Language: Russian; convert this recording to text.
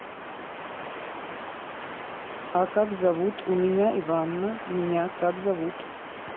а как зовут у меня иванна меня как зовут